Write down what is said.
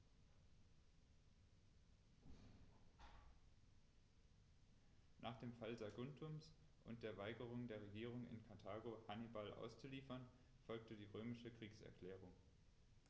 Nach dem Fall Saguntums und der Weigerung der Regierung in Karthago, Hannibal auszuliefern, folgte die römische Kriegserklärung.